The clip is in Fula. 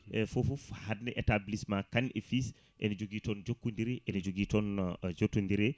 e fofoof hande établissement Kane et fils ene jogui toon jokkodiri ene jogui toon jootodiri